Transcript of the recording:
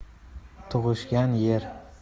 tug'ishgan yer